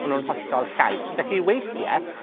ma' nw'n hollol llaeth, felly weithie